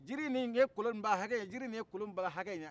jiri nin ye kolon ba hakɛ in ye jiri nin ye kolon ba hakɛ in ye